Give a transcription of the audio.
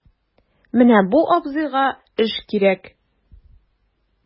Менә бу абзыйга эш кирәк...